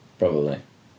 Probably.